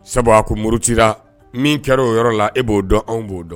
Sabu ko muru cira min kɛra o yɔrɔ la e b'o dɔn anw b'o dɔn